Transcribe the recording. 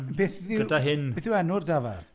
Beth yw-... Cynta hyn. ... Beth yw enw'r dafarn?